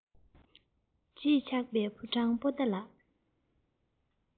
བརྗིད ཆགས པའི ཕོ བྲང པོ ཏ ལགས